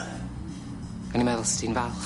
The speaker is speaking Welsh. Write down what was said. O'n i'n meddwl s'ti'n falch.